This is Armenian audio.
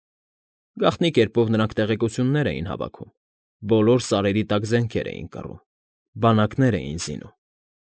Գաղտնի կերպով նրանք տեղեկություններ էին հավաքում. բոլոր սարերի տակ զենքեր էին կռում, բանակներ էին զինում։